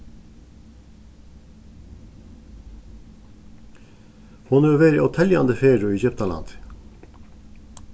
hon hevur verið óteljandi ferðir í egyptalandi